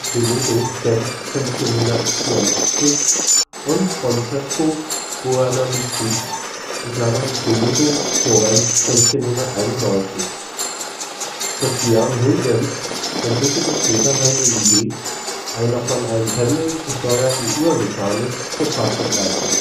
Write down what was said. De motu, Genf 1584) und Francesco Buonamici (De motu, Florenz 1591). Christiaan Huygens entwickelte später seine Idee einer von einem Pendel gesteuerten Uhrmechanik zur Praxisreife